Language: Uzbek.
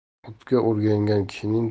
otga o'igangan kishining